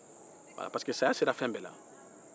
n'i tɛ yen don min a ka fɔ esikeyi karisa